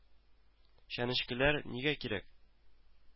Чәнечкеләр нигә кирәк